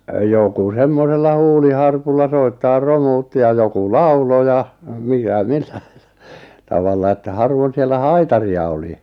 joku semmoisella huuliharpulla soittaa romuutti ja joku lauloi ja mikä milläkin tavalla että harvoin siellä haitaria oli